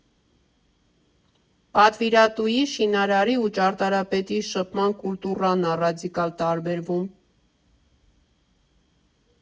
Պատվիրատուի, շինարարի ու ճարտարապետի շփման կուլտուրան ա ռադիկալ տարբերվում։